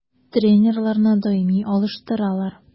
Тренерларны даими алыштыралар.